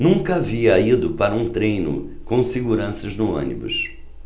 nunca havia ido para um treino com seguranças no ônibus